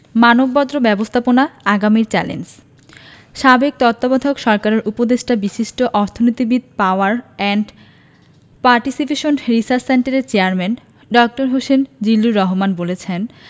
মানববর্জ্য ব্যবস্থাপনা আগামীর চ্যালেঞ্জ সাবেক তত্ত্বাবধায়ক সরকারের উপদেষ্টা বিশিষ্ট অর্থনীতিবিদ পাওয়ার অ্যান্ড পার্টিসিপেশন রিসার্চ সেন্টারের চেয়ারম্যান ড হোসেন জিল্লুর রহমান বলেছেন